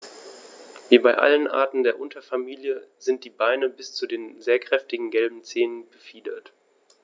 Wie bei allen Arten der Unterfamilie sind die Beine bis zu den sehr kräftigen gelben Zehen befiedert.